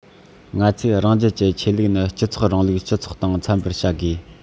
ང ཚོས རང རྒྱལ གྱི ཆོས ལུགས ནི སྤྱི ཚོགས རིང ལུགས སྤྱི ཚོགས དང འཚམ པར བྱ དགོས